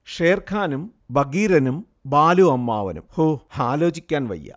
ഷേർഖാനും ബഗീരനും ബാലു അമ്മാവനും ഹോ ആലോചിക്കാൻ വയ്യ